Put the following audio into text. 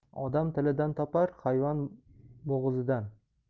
odam tilidan topar hayvon mo'gizidan